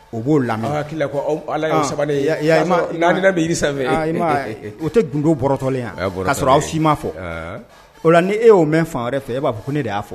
U b'o laki ko ala sabali i sanfɛ o tɛ gdo bɔratɔlen yan'a sɔrɔ aw fɔ i ma fɔ o la ni e y'o mɛn fan wɛrɛ fɛ b'a ko ne de y'a fɔ